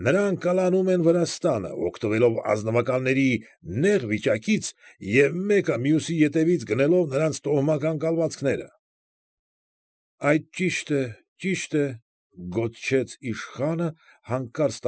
Նրանք կլանում են Վրաստանը, օգտվելով ազնվականների նեղ վիճակից և մեկը մյուսի ետևից գնելով նրանց տոհմական կալվածները։ ֊ Այդ ճիշտ չէ, ճիշտ չէ,֊ գոչեց իշխանը, հանկարծ։